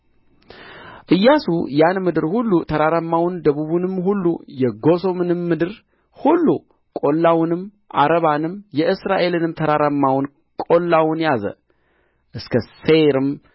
ኢያሱም ያን ምድር ሁሉ ተራራማውን ደቡቡንም ሁሉ የጎሶምንም ምድር ሁሉ ቈላውንም ዓረባንም የእስራኤልንም ተራራማውንና ቈላውን ያዘ እስከ ሴይርም